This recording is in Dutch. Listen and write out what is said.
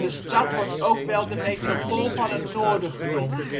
stad wordt ook wel de " metropool van het Noorden " genoemd